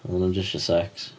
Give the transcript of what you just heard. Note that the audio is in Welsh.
Oedden nhw jyst isio secs.